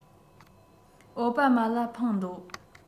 ཨའོ པ མ ལ འཕངས འདོད